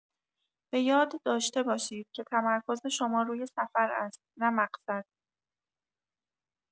بۀاد داشته باشید که تمرکز شما روی سفر است، نه مقصد!